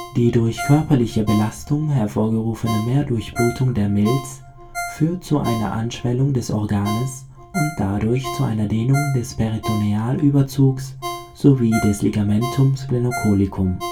Die durch körperliche Belastung hervorgerufene Mehrdurchblutung der Milz führt zu einer Anschwellung des Organs und dadurch zu einer Dehnung des Peritonealüberzugs sowie des Ligamentum splenocolicum